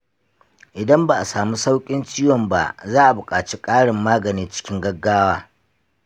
idan ba a samu sauƙin ciwon ba, za a buƙaci ƙarin magani cikin gaggawa.